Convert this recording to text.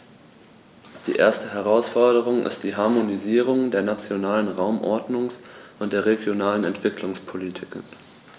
Die erste Herausforderung ist die Harmonisierung der nationalen Raumordnungs- und der regionalen Entwicklungspolitiken.